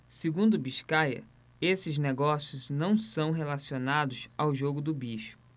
segundo biscaia esses negócios não são relacionados ao jogo do bicho